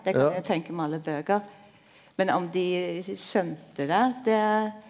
det kan jo ein tenke med alle bøker men om dei skjønte det det.